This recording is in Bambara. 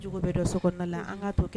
Jugu bɛ don so la an ka to kɛ